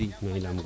i nama